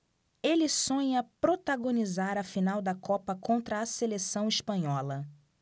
ele sonha protagonizar a final da copa contra a seleção espanhola